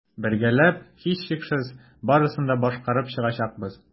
Бергәләп, һичшиксез, барысын да башкарып чыгачакбыз.